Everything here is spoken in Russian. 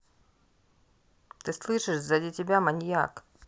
ты слышишь сзади тебя маньяк